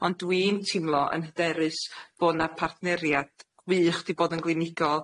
Ond dwi'n teimlo yn hyderus bo' 'na partneriad gwych 'di bod yn glinigol